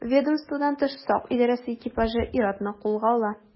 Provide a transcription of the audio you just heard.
Ведомстводан тыш сак идарәсе экипажы ир-атны кулга ала.